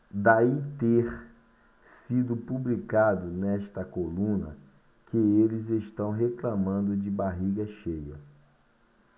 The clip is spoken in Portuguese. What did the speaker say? daí ter sido publicado nesta coluna que eles reclamando de barriga cheia